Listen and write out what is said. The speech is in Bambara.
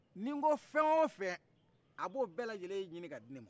ni n ko fɛn wo fɛn a b'o bɛɛ lajɛlen ɲinin k'a di ne ma